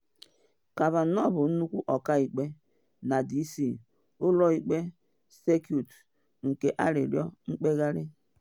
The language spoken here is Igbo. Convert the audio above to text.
Kavanaugh bụ nnukwu ọka ikpe na D.C. Ụlọ Ikpe Sekuit nke Arịrịọ Mkpegharị.